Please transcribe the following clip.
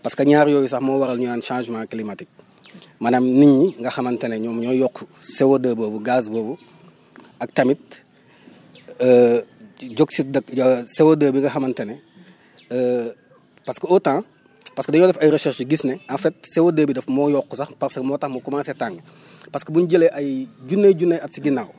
parce que ñaar yooyu sax moo waral ñu naan changement climatique maanaam nit ñi nga xamante ne ñoom ñooy yokk CO2 boobu gaz boobu ak tamit dioxyde CO2 bi nga xamante ne parce que au temps parce que dañoo def ay recherches gis ne en fait CO2 bi daf moo yokk sax parce que moo tax mu commencer tàng parce que bu ñu jëlee ay jubbey junne at si ginnaaw